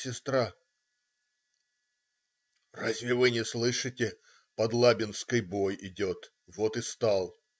Сестра!"-"Разве вы не слышите, под Лабинской бой идет, вот и стал".